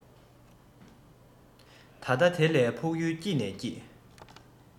ད ལྟ དེ ལས ཕུགས ཡུལ སྐྱིད ནས སྐྱིད